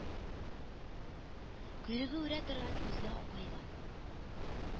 Койрыгы үрә торган, күзе акайган